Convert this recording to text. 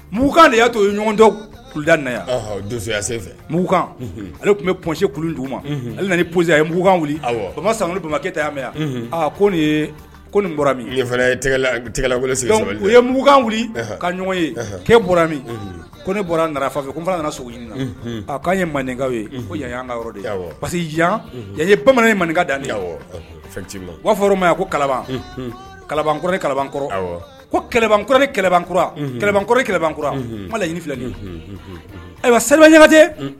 Mugukan de y'a to ye ɲɔgɔntɔda na donsoya senkan ale tun bɛ psi kulu d ma ale psi ye mugukan wili sama bamakɔkɛ tɛ mɛn aaa ko ye ko bɔra u yekan wili ka ɲɔgɔn ye ke bɔra min ko ne bɔra nafa fɛ ko nana sogo ɲini a'an ye maninkaw ye ko yanka de parce ye bamanan maninka dan'a fɔ o ma ko kala kalakɛ kala kɔrɔ ko kɛlɛɛ kɛlɛkura kɛlɛkɛ kɛlɛkura ala ɲini fila ayiwa sa ɲaga kuyate